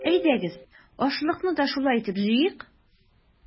Әйдәгез, ашлыкны да шулай итеп җыйыйк!